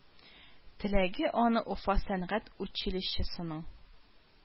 Теләге аны уфа сәнгать училищесының